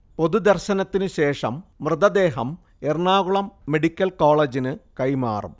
പൊതുദർശനത്തിനു ശേഷം മൃതദേഹം എറണാകുളം മെഡിക്കൽ കോളേജിന് കൈമാറും